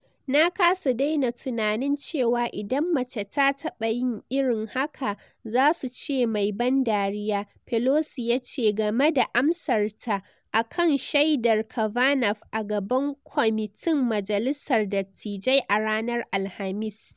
"Na kasa daina tunanin cewa idan mace ta taba yin irin haka, za su ce 'mai ban dariya,'" Pelosi yace game da amsar ta akan shaidar Kavanaugh a gaban kwamitin majalisar dattijai a ranar Alhamis.